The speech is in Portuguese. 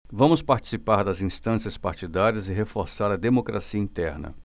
vamos participar das instâncias partidárias e reforçar a democracia interna